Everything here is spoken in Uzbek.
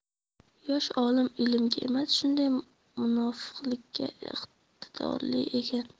yosh olim ilmga emas shunday munofiqlikka iqtidorli ekan